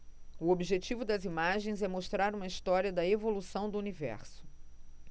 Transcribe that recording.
o objetivo das imagens é mostrar uma história da evolução do universo